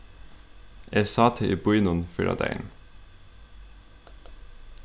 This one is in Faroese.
eg sá teg í býnum fyrradagin